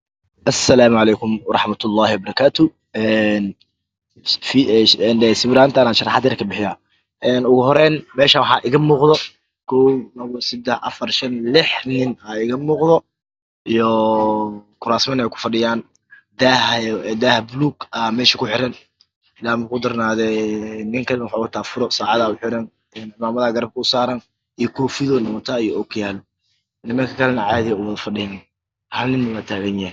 sawiraankanaa sharaxaad yar ka bixiyaa ee igu horeyn meeshaan waxaa iiga muuqdo, kow, labo, saddex, afar, Shan, lex, nin aa iga muuqdo iyo kuraasman ay ku fadhiyaan daah buluug ayaa meesha ku xeran ilaah makuu darnaadey nin kale wuxuu wataa furo saacadaa u xeran, cimaamadaa darabka u saaran iyo koofidow wataa iyo ookiyaalo. nimanka kalena caadiyee u wada fadhiyaan Hal Nina waa taagan yahay.